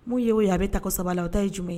Mun y ye o ye a bɛ ta saba la a o ta ye jumɛn ye